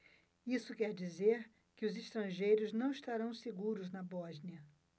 isso quer dizer que os estrangeiros não estarão seguros na bósnia